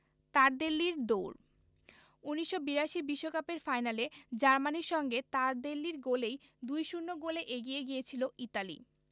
তারদেল্লির দৌড় ১৯৮২ বিশ্বকাপের ফাইনালে জার্মানির সঙ্গে তারদেল্লির গোলেই ২ ০ গোলে এগিয়ে গিয়েছিল ইতালি